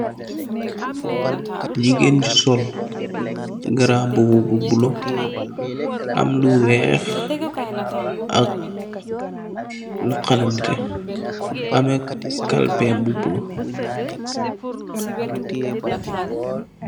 Gigain ju sol grandmbubu bu bleu, am lu wekh ak lu harlah nehteh, ameh kalpehm bu bleu.